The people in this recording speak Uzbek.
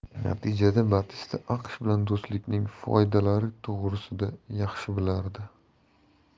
natija batista aqsh bilan do'stlikning foydalari to'g'risida yaxshi bilardi